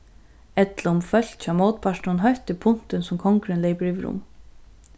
ella um fólk hjá mótpartinum hóttir puntin sum kongurin loypur yvirum